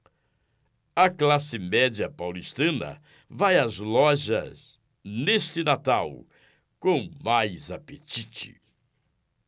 a classe média paulistana vai às lojas neste natal com mais apetite